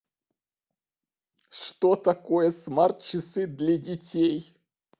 что такое смарт часы для детей